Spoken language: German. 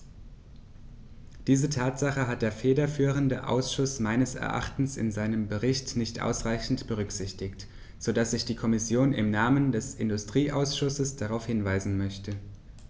Diese Tatsache hat der federführende Ausschuss meines Erachtens in seinem Bericht nicht ausreichend berücksichtigt, so dass ich die Kommission im Namen des Industrieausschusses darauf hinweisen möchte.